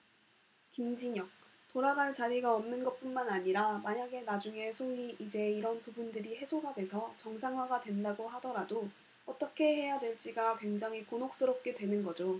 김진혁 돌아갈 자리가 없는 것뿐만 아니라 만약에 나중에 소위 이제 이런 부분들이 해소가 돼서 정상화가 된다고 하더라도 어떻게 해야 될지가 굉장히 곤혹스럽게 되는 거죠